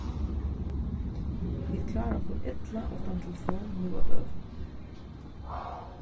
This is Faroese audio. vit klára okkum illa uttan telefon nú á døgum